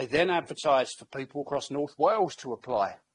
They then advertised for people across North Wales to apply.